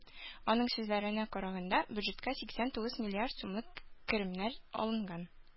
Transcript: Аның сүзләренә караганда, бюджетка сиксән тугыз миллиард сумлык керемнәр алынган.